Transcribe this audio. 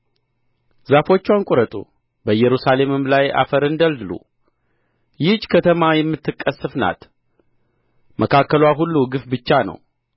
ዛፎችዋን ቍረጡ በኢየሩሳሌምም ላይ አፈርን ደልድሉ ይህች ከተማ የምትቀሠፍ ናት መካከልዋ ሁሉ ግፍ ብቻ ነው